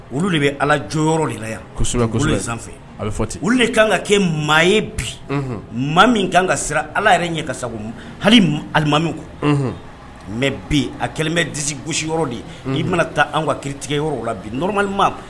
Olu de bɛ alaj yɔrɔ de la yan sanfɛ a bɛ olu de kan ka kɛ maa ye bi maa min ka kan ka siran ala yɛrɛ ɲɛ kasa hali alimami ko mɛ bi a kɛlenmɛ disi gosisi yɔrɔ de n'i bɛna taa an ka kiiritigɛ yɔrɔ la bi nɔrɔma ma